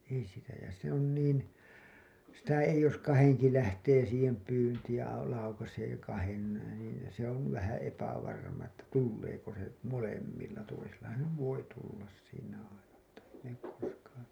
ei sitä ja se on niin sitä ei jos kahdenkin lähtee siihen pyyntiin ja - laukaisee kahden niin se on vähän epävarma että tuleeko se molemmilla toisellahan se nyt voi tulla siinä aina mutta ei ne koskaan